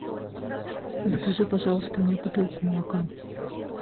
закажи пожалуйста мне бутылку молока